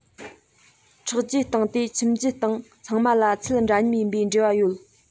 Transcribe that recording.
ཁྲག རྒྱུད སྟེང སྟེ ཁྱིམ རྒྱུད སྟེང ཚང མ ལ ཚད འདྲ མཉམ ཡིན པའི འབྲེལ བ ཡོད